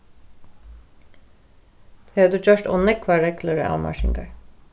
tey høvdu gjørt ov nógvar reglur og avmarkingar